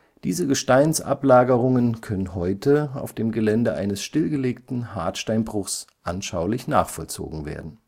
Diese Gesteinsablagerungen können heute auf dem Gelände eines stillgelegten Hartsteinbruchs anschaulich nachvollzogen werden